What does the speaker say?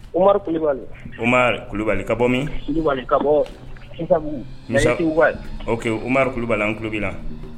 Ri kulubali ka bɔ bɔ umari kulubali labi la